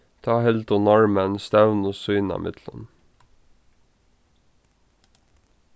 tá hildu norðmenn stevnu sínámillum